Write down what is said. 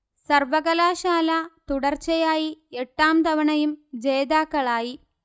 സർവകലാശാല തുടർച്ചയായി എട്ടാം തവണയും ജേതാക്കളായി